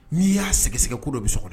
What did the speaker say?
N'i y'a seginsɛ ko dɔ bɛ so dɛ